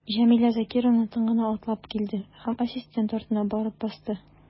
Җәмилә Закировна тын гына атлап килде һәм ассистент артына барып басты.